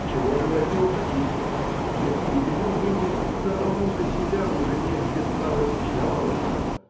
Чего же вы от него хотите, если ему ныне самому за себя уже негде стало печаловаться?.